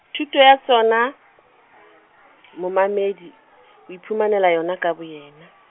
thuto ya tsona, momamedi, o iphumanela yona ka boyena.